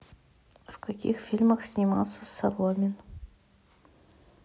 в каких фильмах снимался соломин